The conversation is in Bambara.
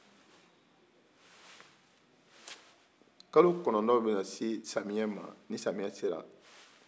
kalo kɔnɔtɔn bina se samiyɛn ma ni samiya sera